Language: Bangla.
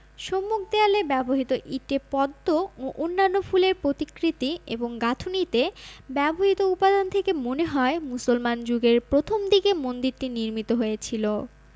সম্মুখ দেয়ালে ব্যবহৃত ইটে পদ্ম ও অন্যান্য ফুলের প্রতিকৃতি এবং গাঁথুনীতে ব্যবহূত উপাদান থেকে মনে হয় মুসলমান যুগের প্রথমদিকে মন্দিরটি নির্মিত হয়েছিল